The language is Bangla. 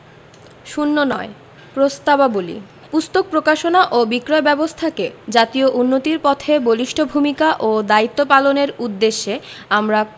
০৯ প্রস্তাবাবলী পুস্তক প্রকাশনা ও বিক্রয় ব্যাবস্থাকে জাতীয় উন্নতির পথে বলিষ্ঠ ভূমিকা ও দায়িত্ব পালনের উদ্দেশ্যে আমরা